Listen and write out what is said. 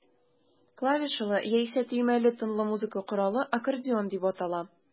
Клавишалы, яисә төймәле тынлы музыка коралы аккордеон дип атала.